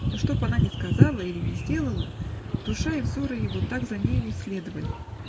но что б она ни сказала или ни сделала, душа и взоры его так за нею и следовали.